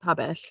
Pabell.